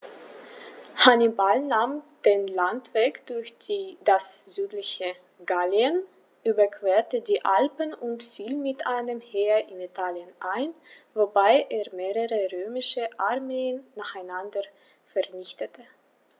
Hannibal nahm den Landweg durch das südliche Gallien, überquerte die Alpen und fiel mit einem Heer in Italien ein, wobei er mehrere römische Armeen nacheinander vernichtete.